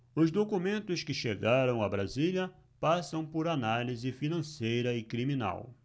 os documentos que chegaram a brasília passam por análise financeira e criminal